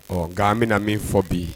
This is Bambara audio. Ɔ nka an bɛna na min fɔ bi